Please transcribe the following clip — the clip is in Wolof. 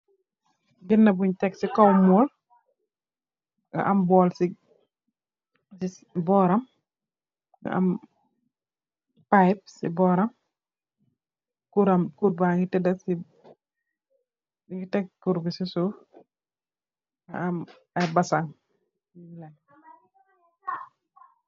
Genah bunye tek si kaw mule nga am bowl si boram nga am pipe si boram si boram kurr bange teguh si suff nga am aye basam .